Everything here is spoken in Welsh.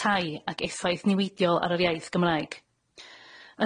tai ac effaith niweidiol ar yr iaith Gymraeg.